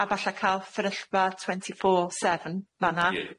A falla ca'l fferyllfa twenty four seven fan 'na. Ie.